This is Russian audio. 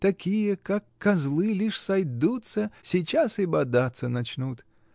такие, как козлы, лишь сойдутся, сейчас и бодаться начнут!